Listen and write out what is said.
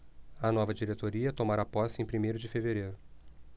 a nova diretoria tomará posse em primeiro de fevereiro